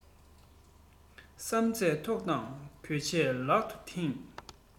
བསམ ཚད ཐོག དང དགོས ཚད ལག ཏུ ཐེབས